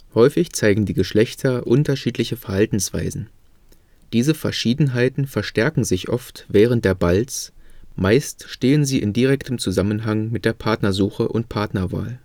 Häufig zeigen die Geschlechter unterschiedliche Verhaltensweisen. Diese Verschiedenheiten verstärken sich oft während der Balz, meist stehen sie in direktem Zusammenhang mit der Partnersuche und Partnerwahl